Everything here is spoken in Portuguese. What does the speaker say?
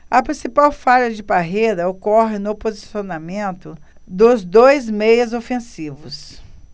a principal falha de parreira ocorre no posicionamento dos dois meias ofensivos